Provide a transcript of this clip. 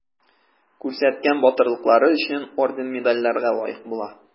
Күрсәткән батырлыклары өчен орден-медальләргә лаек була.